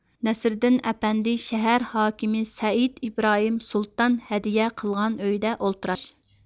نەسرىدىن ئەپەندى شەھەر ھاكىمى سەئىد ئىبراھىم سۇلتان ھەدىيە قىلغان ئۆيدە ئولتۇراتتى